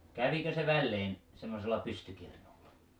kävikö se väleen semmoisella pystykirnulla